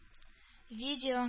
Видео